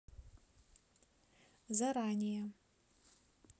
заранее